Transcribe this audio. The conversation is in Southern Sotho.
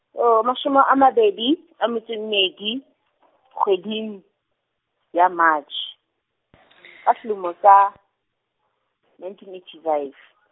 oh, mashome a mabedi, a metso e mmedi , kgweding, ya March, ka selemo sa, nineteen eighty five.